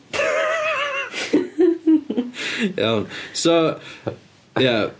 Iawn so ia...